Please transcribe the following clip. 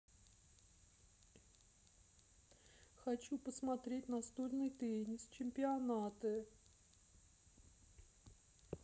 хочу посмотреть настольный теннис чемпионаты